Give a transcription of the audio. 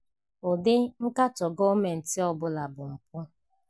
Ụdị nkatọ gọọmentị ọ bụla bụ mpụ